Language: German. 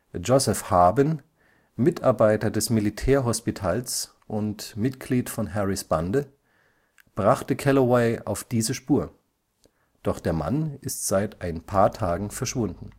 Joseph Harbin, Mitarbeiter des Militärhospitals und Mitglied von Harrys Bande, brachte Calloway auf diese Spur – doch der Mann ist seit ein paar Tagen verschwunden